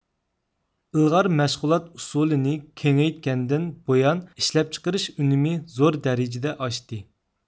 ئىلغار مەشغۇلات ئۇسۇلىنى كېڭيتكەندىن بۇيان ئىشلەپچىقىرىش ئۈنۈمى زور دەرىجىدە ئاشتى